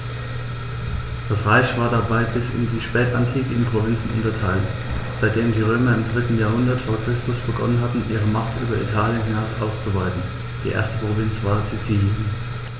Das Reich war dabei bis in die Spätantike in Provinzen unterteilt, seitdem die Römer im 3. Jahrhundert vor Christus begonnen hatten, ihre Macht über Italien hinaus auszuweiten (die erste Provinz war Sizilien).